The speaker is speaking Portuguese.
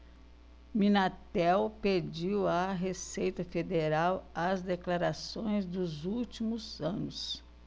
minatel pediu à receita federal as declarações dos últimos anos